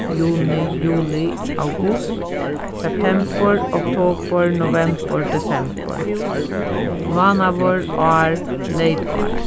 juni juli august septembur oktobur novembur desembur mánaður ár leypár